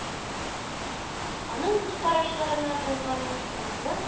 Аның күз карашларына кунган моңсулыкны,